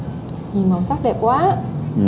nhìn màu sắc đẹp quá